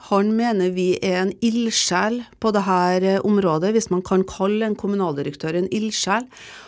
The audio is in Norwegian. han mener vi er en ildsjel på det her området hvis man kan kalle en kommunaldirektør en ildsjel.